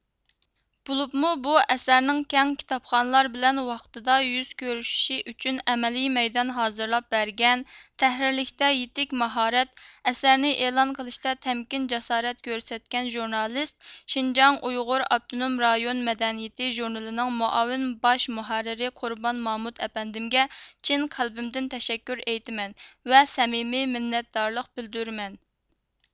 بولۇپمۇ بۇ ئەسەرنىڭ كەپ كىتابخانلار بىلەن ۋاقتىدا يۇز كۆرۈشۈشى ئۈچۈن ئەمەلىي مەيدان ھازىرلاپ بەرگەن تەھرىرلىكتە يېتىك ماھارەت ئەسەرنى ئېلان قىلىشتا تەمكىن جاسارەت كۆرسەتكەن ژورنالىست شې ئۇ ئا رې مەدەنىيىتى ژۇرنىلىنىڭ مۇئاۋىن باش مۇھەررىرى قۈربان مامۇت ئەپەندىمگە چىن قەلبىمدىن تەشەككۇر ئېيتىمەن ۋە سەمىمىي مىننەتدارلىق بىلدۇرىمەن